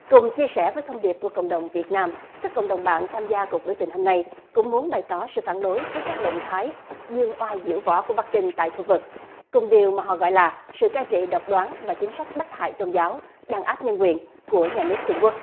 cùng chia sẻ với thông điệp của cộng đồng việt nam các cộng đồng mạng tham gia cuộc biểu tình hôm nay cũng muốn bày tỏ sự phản đối trước các động thái dương oai diễu võ của bắc kinh tại khu vực cùng điều mà họ gọi là sự cai trị độc đoán và chính sách bắt hại tôn giáo đàn áp nhân quyền của nhà nước trung quốc